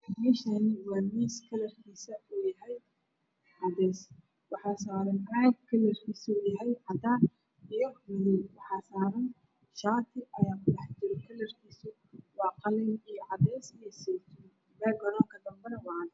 Meeshaani waa miis kalarkiisa uu yahay cadays waxaa saaran caag kalarkiisa uu yahay cadaan iyo madow waxaa saaran shaati ayaa ku dhex jira kalarkiisa waa qalin iyo cadays iyo saytuun baag karoonka dambena waa cadaan.